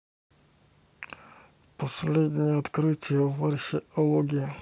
последнее открытие в археологии